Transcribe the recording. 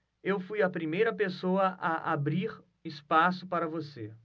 eu fui a primeira pessoa a abrir espaço para você